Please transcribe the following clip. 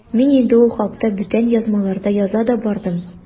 Мин инде ул хакта бүтән язмаларда яза да бардым.